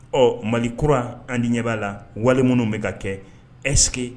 Ɔ mali kura an ni ɲɛ b'a la wali minnu bɛ ka kɛ ɛske